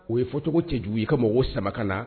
O ye fɔcogo cɛ jugu ka mɔgɔw sama kana